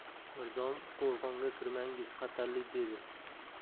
mirzom qo'rg'onga kirmangiz xatarli dedi